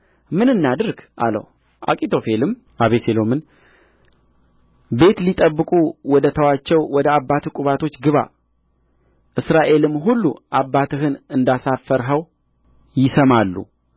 ምን እናድርግ አለው አኪጦፌልም አቤሴሎምን ቤት ሊጠብቁ ወደ ተዋቸው ወደ አባትህ ቁባቶች ግባ እስራኤልም ሁሉ አባትህን እንዳሳፈርኸው ይሰማሉ